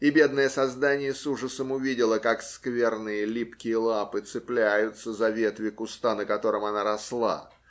И бедное создание с ужасом увидело, как скверные липкие лапы цепляются за ветви куста, на котором она росла.